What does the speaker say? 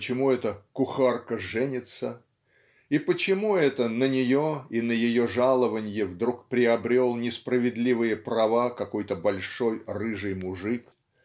почему это "кухарка женится" и почему это на нее и на ее жалованье вдруг приобрел несправедливые права какой-то большой рыжий мужик